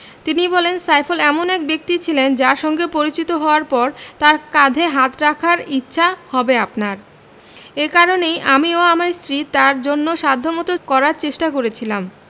তিনি বলেন সাইফুল এমন একজন ব্যক্তি ছিলেন যাঁর সঙ্গে পরিচিত হওয়ার পর তাঁর কাঁধে হাত রাখার ইচ্ছা হবে আপনার এ কারণেই আমি ও আমার স্ত্রী তাঁর জন্য সাধ্যমতো করার চেষ্টা করেছিলাম